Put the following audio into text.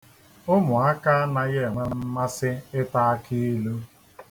Ụmụaka anaghị enwe mmasị ịta akiilu.